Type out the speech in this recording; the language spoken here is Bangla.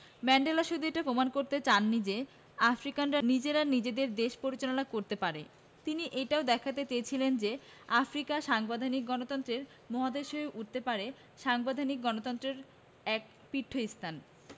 ম্যান্ডেলা শুধু এটা প্রমাণ করতে চাননি যে আফ্রিকানরা নিজেরা নিজেদের দেশ পরিচালনা করতে পারে তিনি এটাও দেখাতে চেয়েছিলেন যে আফ্রিকা সাংবিধানিক গণতন্ত্রের মহাদেশ হয়ে উঠতে পারে সাংবিধানিক গণতন্ত্রের এক পীঠস্থান